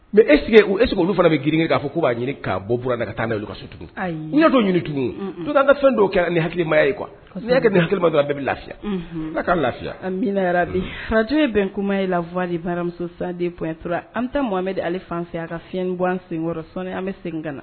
Mɛ e e sigi olu fana grinke k'a k' b'a ɲini' bɔ la ka taa n'si tugun don ɲini tugun fɛn dɔw kɛra ni hakililimaya ye kuwa nin hakiliba dɔrɔn bɛɛ bɛ lafiya ka lafiya min bi faraj ye bɛn kuma ye la baramuso sandentura an bɛ taahame ale fanfɛ a ka fi fiɲɛ gan senkɔrɔ sɔ an bɛ segin ka na